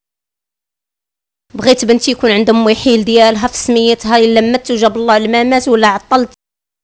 بغيت بنتي يكون عند امي حين ديالها تسميتها للمتزوجه بالله لما الناس و لا عاد